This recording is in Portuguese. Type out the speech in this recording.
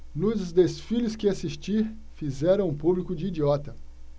nos desfiles que assisti fizeram o público de idiota